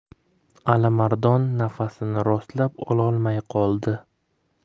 alimardon nafasini rostlab ololmay qoldi